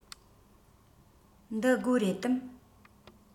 འདི སྒོ རེད དམ